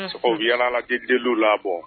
Aw yalala jeliw labɔ